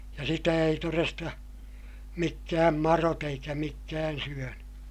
ja sitä ei todesta mitkään madot eikä mitkään syönyt